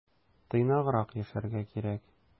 Тыйнаграк яшәргә кирәк.